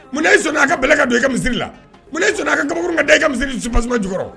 Munna e sɔnna' a ka bɛn ka don i ka misisiriri la a ka kaburu ka da e ka misisiriri simasaba jukɔrɔ